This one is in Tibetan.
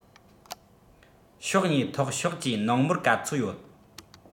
ཕྱོགས གཉིས ཐོག ཕྱོགས ཀྱིས ནང མོལ ག ཚོད ཡོད